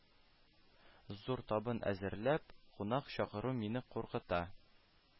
Зур табын әзерләп кунак чакыру мине куркыта